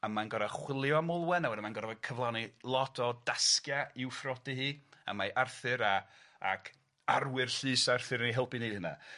A mae'n gor'o' chwilio am Olwen a wedyn mae'n gor'o' fo- cyflawni lot o dasgia i'w phrodi hi a mae Arthur a ac arwyr llys Arthur yn ei helpu i neud hynna.